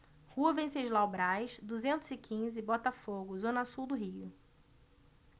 rua venceslau braz duzentos e quinze botafogo zona sul do rio